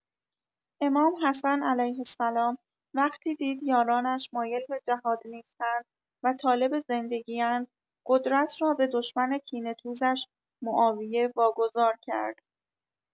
امام حسن ع وقتی دید یارانش مایل به جهاد نیستند و طالب زندگی اند، قدرت را به دشمن کینه توزش معاویه واگذار کرد.